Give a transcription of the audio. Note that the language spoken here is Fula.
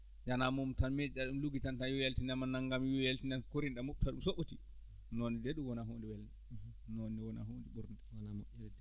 janaa e mum tan miijiɗaa ɗum luggi tan tawii weltima naggam wi yo yaltinane pour yiiɗa moftaɗi to noon dee ɗum huunde welnde noon wonaa huunde ɓurde